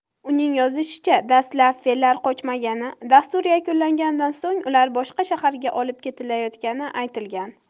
uning yozishicha dastlab fillar qochmagani dastur yakunlanganidan so'ng ular boshqa shaharga olib ketilayotgani aytilgan